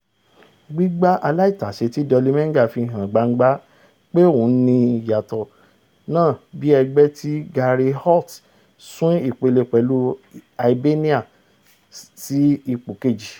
Gbígbá aláìtàsé ti Dolly Menga fihàn gbangba pé ohun ni ìyàtọ̀ náà bí ẹgbẹ́ ti Gary Holt sún ipele pẹ̀lú Hibernian ní ipò keji.